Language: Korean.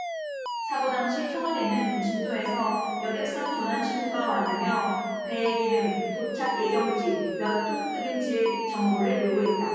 사고 당시 청와대는 진도에서 여객선 조난신고가 왔냐며 배의 이름 도착 예정지 몇 톤 급인지에 정보를 요구했다